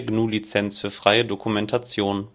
GNU Lizenz für freie Dokumentation